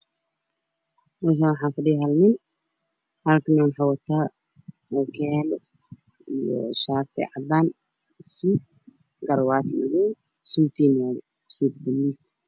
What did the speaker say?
Meeshan waxaa fadhiya hadlin wuxuu wataa shaati cadaan suud madow kursiga uu ku fadhiyo